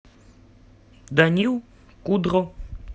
данил кудро